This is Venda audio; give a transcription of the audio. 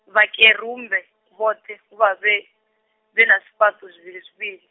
Vhakerumbe, vhoṱhe, vho vha vhe, vhena zwifhaṱo zwivhilizwivhili.